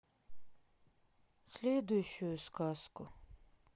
следующую сказку